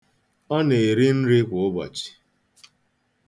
Ọ na-eri nri kwa ụbọchị.